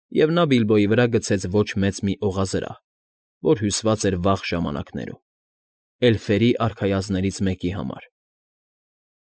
Եվ նա Բիլբոյի վրա գցեց ոչ մեծ մի օղազրահ, որ հյուսված էր վաղ ժամանակներում, էլֆերի արքայազներից մեկի համար։